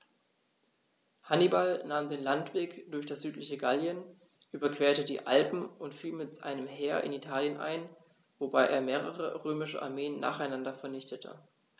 Hannibal nahm den Landweg durch das südliche Gallien, überquerte die Alpen und fiel mit einem Heer in Italien ein, wobei er mehrere römische Armeen nacheinander vernichtete.